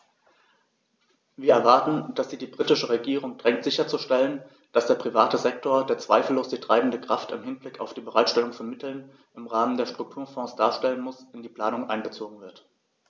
Wir erwarten, dass sie die britische Regierung drängt sicherzustellen, dass der private Sektor, der zweifellos die treibende Kraft im Hinblick auf die Bereitstellung von Mitteln im Rahmen der Strukturfonds darstellen muss, in die Planung einbezogen wird.